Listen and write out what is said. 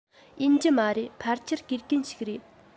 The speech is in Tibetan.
ཡིན གྱི མ རེད ཕལ ཆེར དགེ རྒན ཞིག རེད